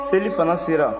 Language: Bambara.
selifana sera